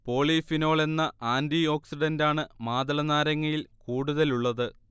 polyphenol എന്ന ആന്റിഓക്സിഡന്റാണ് മാതളനാരങ്ങയിൽ കൂടുതലുള്ളത്